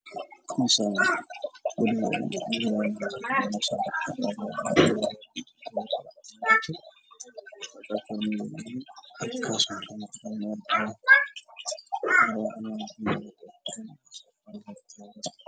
Waa qol midabkiisii yahay caddaan madow